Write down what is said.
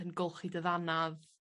yn golchi dy ddanadd